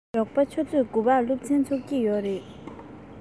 ཞོགས པ ཆུ ཚོད དགུ པར སློབ ཚན ཚུགས ཀྱི ཡོད རེད